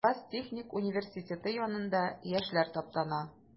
Донбасс техник университеты янында яшьләр таптана.